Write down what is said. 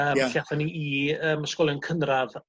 ... yym... Ia. ... i athon ni i yym ysgolion cynradd